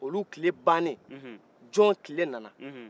ulu tile bannen jɔn tile nana